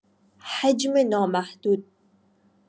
حجم نامحدود